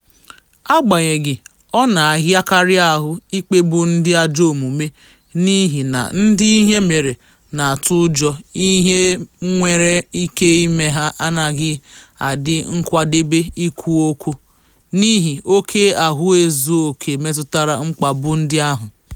Agbanyehị, ọ na-ahịakarị ahụ ikpegbu ndị ajọ omume n'ihi na ndị ihe mere na-atụ ụjọ ihe nwere ike ime ma ha anaghị adị nkwadebe ikwu okwu n'ihi oke ahụezuoke metụtara mkpagbu ndị ahụ.